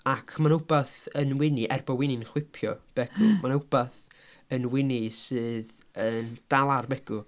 Ac mae 'na wbath yn Wini, er bod Wini'n chwipio Begw ... ia ...mae 'na wbath yn Wini sydd yn dal ar Begw.